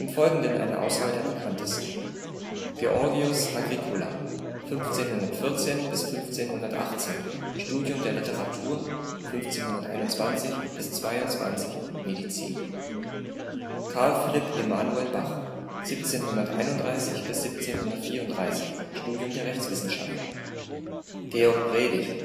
Folgenden eine Auswahl der Bekanntesten: Georgius Agricola, 1514 – 1518, Studium der Literatur, 1521 – 22 Medizin Carl Philipp Emanuel Bach, 1731 - 1734, Studium der Rechtswissenschaft Georg Bredig